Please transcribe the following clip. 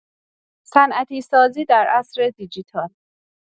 صنعتی‌سازی در عصر دیجیتال